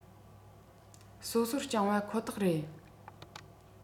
སོ སོར བསྐྱངས པ ཁོ ཐག རེད